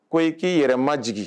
Ko i k'i yɛrɛ ma jigin